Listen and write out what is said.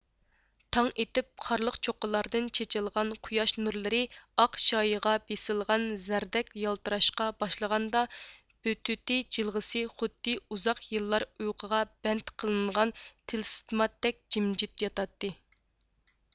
تاڭ ئېتىپ قارلىق چوققىلاردىن چېچىلغان قۇياش نۇرلىرى ئاق شايىغا بېسىلغان زەردەك يالتىراشقا باشلىغاندا بۆتۆتى جىلغىسى خۇددى ئۇزاق يىللار ئۇيقۇغا بەند قىلىنغان تىلسىماتتەك جىمجىت ياتاتتى